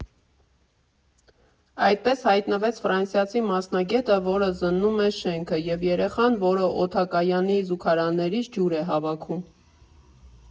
Այդպես հայտնվեց ֆրանսիացի մասնագետը, որը զննում է շենքը, և երեխան, որը օդակայանի զուգարաններից ջուր է հավաքում։